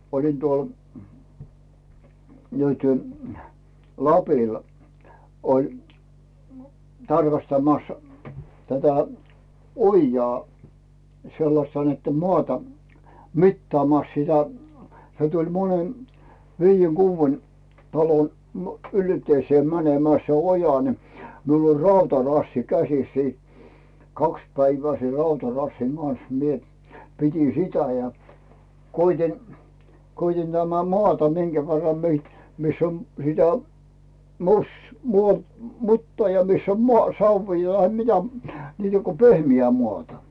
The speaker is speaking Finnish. olin tuolla nyt Lapilla oli tarkastamassa tätä ojaa sellaista niiden maata mittaamassa sitä se tuli monen viiden kuuden talon - ylteiseen menemään se oja niin minulla oli rautarassi käsissä siinä kaksi päivää sen rautarassin kanssa minä pidin sitä ja koetin koetin tämä maata minkä verran - missä on sitä -- mutaa ja missä on - savea tai mitä niitä kun pehmeää maata